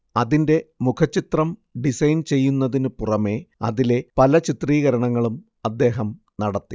അതിന്റെ മുഖചിത്രം ഡിസൈൻ ചെയ്യുന്നതിനു പുറമേ അതിലെ പല ചിത്രീകരണങ്ങളും അദ്ദേഹം നടത്തി